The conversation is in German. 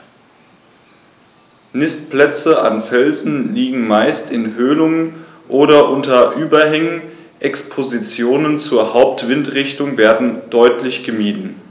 Nistplätze an Felsen liegen meist in Höhlungen oder unter Überhängen, Expositionen zur Hauptwindrichtung werden deutlich gemieden.